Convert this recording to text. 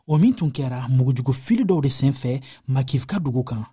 o min tun kɛra mugujugufili dɔw de senfɛ makiivka dugu kan